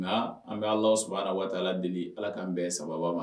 Nka an ka la sabara waati deli ala k'an bɛn saba ma